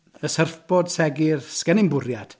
Y surfboard segur, 'sgen i'm bwriad.